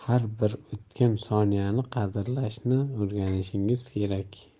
har bir o'tgan soniyani qadrlashni o'rganishingiz kerak